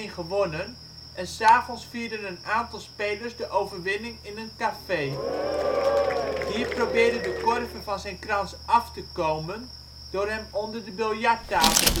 gewonnen en ' s avonds vierden een aantal spelers de overwinning in een café. Hier probeerde De Korver van zijn krans af te komen door hem onder de biljarttafel